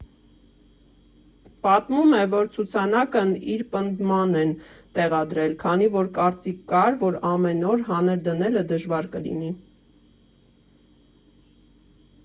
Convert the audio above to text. Պատմում է, որ ցուցանակն իր պնդմամբ են տեղադրել, քանի որ կարծիք կար, որ ամեն օր հանել֊դնելը դժվար կլինի։